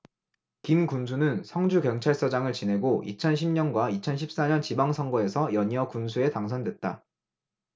김 군수는 성주경찰서장을 지내고 이천 십 년과 이천 십 사 년 지방선거에서 연이어 군수에 당선됐다